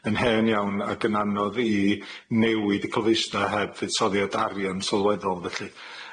yn hen iawn, ag yn anodd i newid y heb fuddsoddiad arian sylweddol